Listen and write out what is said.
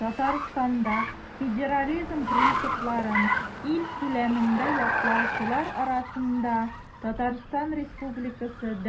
Татарстанда федерализм принципларын ил күләмендә яклаучылар арасында ТР